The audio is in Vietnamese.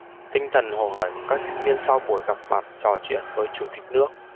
tinh thần hồ hởi của các sinh viên sau buổi gặp mặt trò chuyện với chủ tịch nước